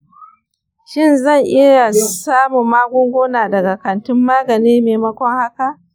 shin zan iya samun magungunan daga kantin magani maimakon haka?